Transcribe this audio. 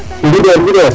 Ndindor Ndindor